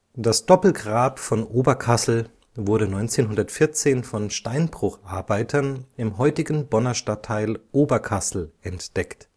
Das Doppelgrab von Oberkassel wurde 1914 von Steinbrucharbeitern im heutigen Bonner Stadtteil Oberkassel entdeckt